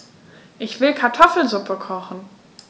Ich will Kartoffelsuppe kochen.